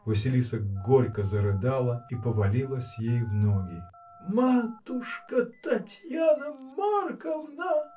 Василиса горько зарыдала и повалилась ей в ноги. — Матушка Татьяна Марковна!